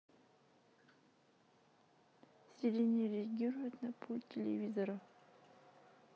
siri не реагирует пульт на телевизор